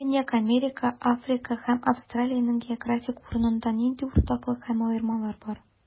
Көньяк Америка, Африка һәм Австралиянең географик урынында нинди уртаклык һәм аермалар бар?